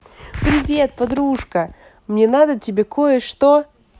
привет подружка мне надо тебе кое что